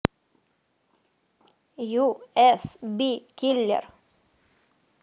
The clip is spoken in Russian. ю эс би киллер